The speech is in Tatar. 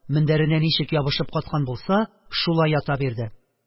Мендәренә ничек ябышып каткан булса – шулай ята бирде.